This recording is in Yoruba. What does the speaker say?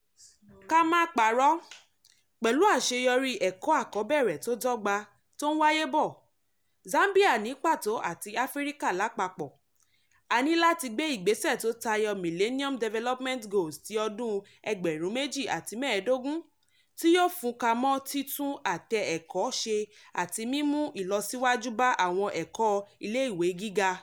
Ká má parọ́, pẹ̀lú àṣeyọrí ẹ̀kọ́ àkọ́bẹ̀rẹ̀ tó dọ́gba tó ń wáyé bọ̀, Zambia ní pàtó àti Áfíríkà lapapọ̀, a ní láti gbé igbese tó tayọ Millennium Development Goals ti ọdún 2015 tí yóò fúnka mọ́ títún àtẹ ẹ̀kọ́ ṣe àti mímú ìlọsíwájú bá àwon ẹ̀kọ́ iléèwé gíga.